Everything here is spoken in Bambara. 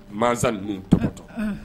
Masa ninnu tɔmɔtɔ